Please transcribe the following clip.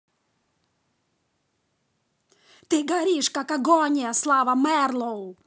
ты горишь как агония слава мэрлоу